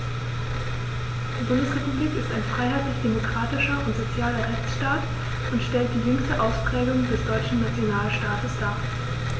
Die Bundesrepublik ist ein freiheitlich-demokratischer und sozialer Rechtsstaat und stellt die jüngste Ausprägung des deutschen Nationalstaates dar.